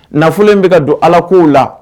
Nafolo in bɛ ka don ala kow la